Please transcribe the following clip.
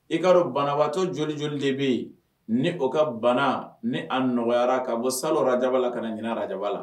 I ka bana watɔ jolij de bɛ yen ni o ka bana ni a nɔgɔyayara ka bɔ sara ja la ka ɲin ara ja la